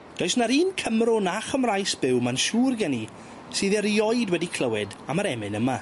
Does na'r un Cymro na Chymraes byw ma'n siŵr gen i sydd erioed wedi clywed am yr emyn yma.